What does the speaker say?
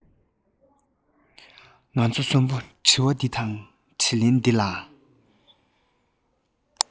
ང ཚོ གསུམ པོ དྲི བ འདི དང དྲིས ལན འདི ལ